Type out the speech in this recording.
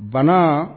Bana